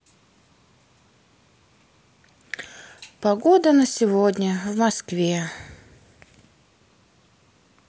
погода на сегодня в москве